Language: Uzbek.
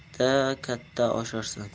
katta katta osharsan